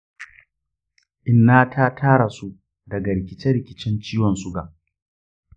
innata ta rasu daga rikice-rikicen ciwon suga.